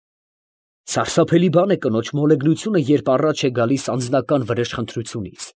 Սարսափելի բան է կնոջ մոլեգնությունը, երբ առաջ է գալիս անձնական վրեժխնդրությունից։